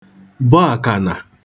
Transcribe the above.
bọ àkànà